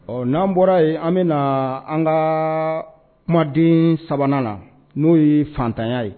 Ɔ n'an bɔra yen, an bɛ naa an kaa kumaden sabanan na, n'o ye faatanya ye.